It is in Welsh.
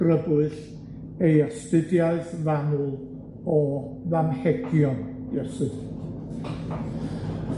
grybwyll ei astudiaeth fanwl o ddamhegion Iesu.